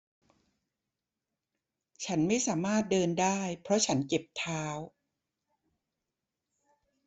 ฉันไม่สามารถเดินได้เพราะฉันเจ็บเท้า